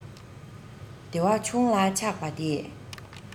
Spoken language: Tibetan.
བདེ བ ཆུང ལ ཆགས པ དེས